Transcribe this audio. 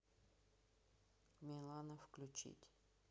милана включить